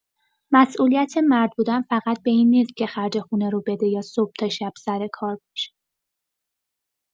مسئولیت مرد بودن فقط به این نیست که خرج خونه رو بده یا صبح تا شب سر کار باشه.